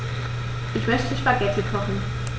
Ich möchte Spaghetti kochen.